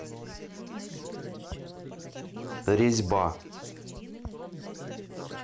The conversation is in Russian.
резьба